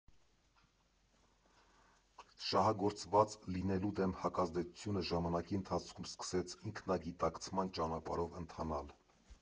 Շահագործված լինելու դեմ հակազդեցությունը ժամանակի ընթացքում սկսեց ինքնագիտակցման ճանապարհով ընթանալ։